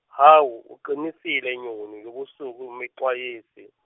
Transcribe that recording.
hhawu, uqinisile nyoni yobusuku, Mexwayisi.